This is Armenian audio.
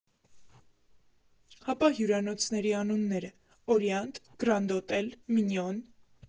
Հապա հյուրանոցների անուննե՞րը՝ «Օրիանտ», «Գրանդ Օտել», «Մինիոն»…